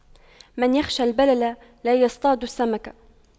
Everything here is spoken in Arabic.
من يخشى البلل لا يصطاد السمك